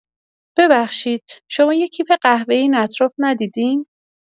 ببخشید، شما یه کیف قهوه‌ای این اطراف ندیدین؟